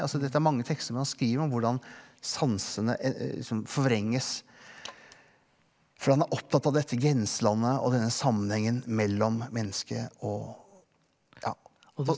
altså dette er mange tekster hvor han skriver om hvordan sansene liksom forvrenges, for han er opptatt av dette grenselandet og denne sammenhengen mellom mennesket og ja.